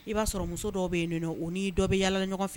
I b'a sɔrɔ muso dɔw bɛ yen nɔ o nii dɔ bɛ yaala ɲɔgɔn fɛ